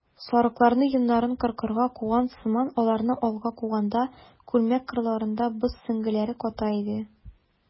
Сарыкларны йоннарын кыркырга куган сыман аларны алга куганда, күлмәк кырларында боз сөңгеләре ката иде.